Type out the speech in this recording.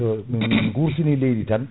so min guurtini leydi tan